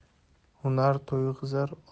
hunar to'yg'izar ot